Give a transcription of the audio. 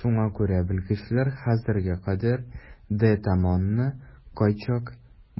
Шуңа күрә белгечләр хәзергә кадәр де Томонны кайчак